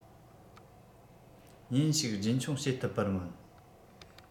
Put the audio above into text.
ཉིན ཞིག རྒྱུན འཁྱོངས བྱེད ཐུབ པར སྨོན